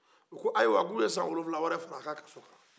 u ko ko ayiwa k'u ye san wolofila wɛrɛ fara a ka kaso kan